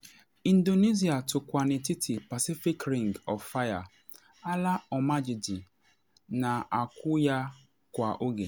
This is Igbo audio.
Indonesia tukwu n’etiti Pacific Ring of Fire, ala ọmajiji na akụ ya kwa oge.